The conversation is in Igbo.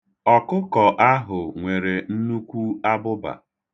Ọkụkọ ahụ nwere nnukwu abụba.